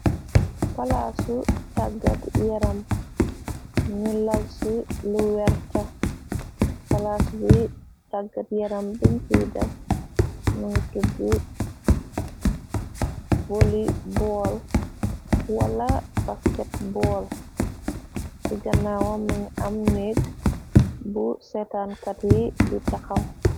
Palaas àgt yaram nu lag ci lu werta. Palaas bi tàggat yaram bintiy def nuy tudg boli bool wala basket bool ti ganaawa. Mangi am neeg bu setaankat yi bi taxaw.